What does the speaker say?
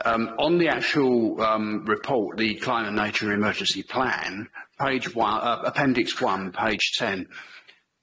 Yym on the actual yym report the climate and nature emergency plan, page one uh appendix one page ten.